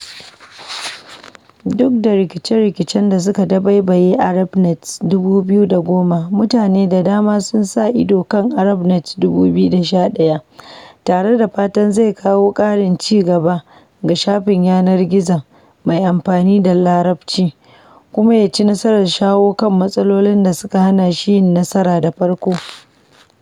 Duk da rikice-rikicen da suka dabaibaye ArabNet 2010, mutane da dama sun sa ido kan ArabNet 2011 tare da fatan zai kawo ƙarin cigaba ga shafin yanar gizon mai amfani da Larabci, kuma ya ci nasarar shawo kan matsalolin da suka hana shi yin nasara da farko.